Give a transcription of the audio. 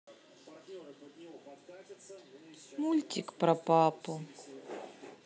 мультик про папу